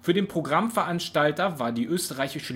Für den Programmveranstalter war die österreichische